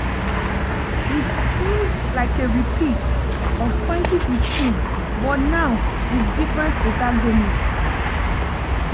It seemed like a repeat of 2015 but now with different protagonists.